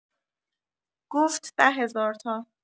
گفت: ده‌هزار تا.